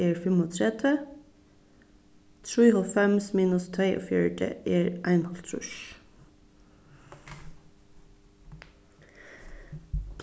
er fimmogtretivu trýoghálvfems minus tveyogfjøruti er einoghálvtrýss